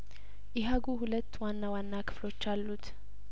ኢሀጉ ሁለት ዋና ዋና ክፍሎች አሉት